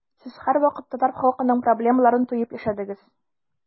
Сез һәрвакыт татар халкының проблемаларын тоеп яшәдегез.